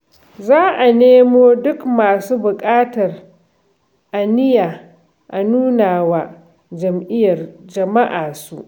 Za a nemo duk masu baƙar aniya a nunawa jama'a su.